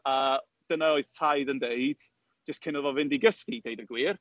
A dyna oedd Taid yn deud, jyst cyn iddo fo fynd i gysgu, deud y gwir.